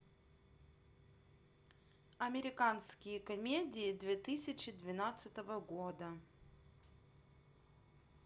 американские комедии две тысячи двадцатого года